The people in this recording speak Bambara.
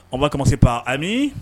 On va commencer par Ami